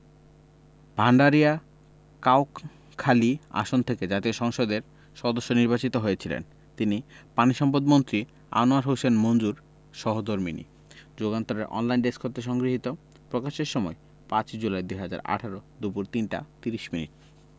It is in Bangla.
ভাণ্ডারিয়া কাউখালী আসন থেকে জাতীয় সংসদের সদস্য নির্বাচিত হয়েছিলেন তিনি পানিসম্পদমন্ত্রী আনোয়ার হোসেন মঞ্জুর সহধর্মিণী যুগান্তর এর অনলাইন ডেস্ক হতে সংগৃহীত প্রকাশের সময় ৫ জুলাই ২০১৮ দুপুর ৩টা ৩০ মিনিট